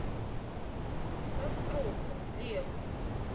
конструкторы лего